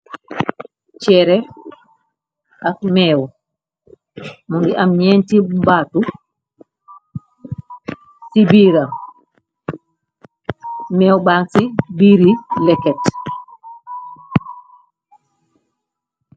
Ceré ak méew mu ngi am ñenti baatu ci biiram, méew bang ci biiri leket.